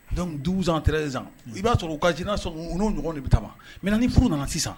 Donc, 12 ans, 13 ans i b'a sɔrɔ u ka generatio ɲɔgɔn de bɛ taa mais ni furu nana sisan